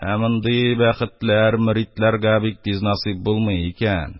Ә мондый бәхетләр мөритләргә бик тиз насыйб булмый икән.